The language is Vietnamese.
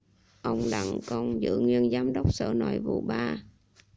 ông đặng công ngữ nguyên giám đốc sở nội vụ ba